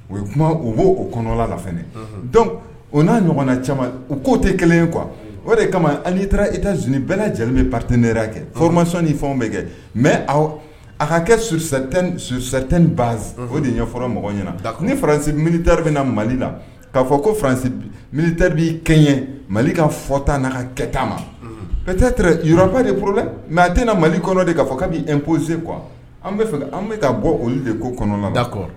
O ye kuma u b'o o kɔnɔla la dɔnku o n'a ɲɔgɔn na caman u k'o tɛ kelen qu o de kama ani taara i z bɛɛ lajɛlen pat ne' kɛ fɔ masɔnin fɛnw bɛ kɛ mɛ aw a ka kɛt baz o de ɲɔ fɔlɔ mɔgɔ ɲɛna na ni faransi mitari bɛ mali la kaa fɔ ko fa mitari bɛ kɛɲɛ mali ka fɔta n'a ka kɛta ma pte yɔrɔba de poro dɛ mɛ a tɛna mali kɔnɔ de k kaa k kabi epse qu kuwa an bɛ fɛ an bɛka ka bɔ olu de ko kɔnɔna da kɔrɔ